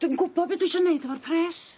Dwi'n gwbo be' dwi isio neud efo'r pres.